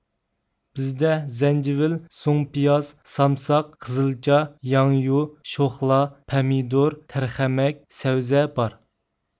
بىزدە زەنجىۋىل سۇڭپىياز سامساق قىزىلچا ياڭيۇ شوخلا پەمىدۇر تەرخەمەك سەۋزە بار